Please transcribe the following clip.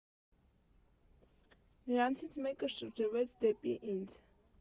Նրանցից մեկը շրջվեց դեպի ինձ.